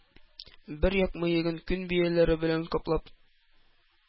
Бер як мыегын күн бияләе белән каплап,